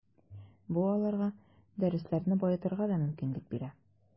Бу аларга дәресләрне баетырга да мөмкинлек бирә.